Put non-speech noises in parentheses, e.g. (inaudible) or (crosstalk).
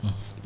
(hesitation) (hesitation)